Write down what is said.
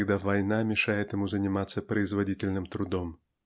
когда война мешает ему заниматься производительным трудом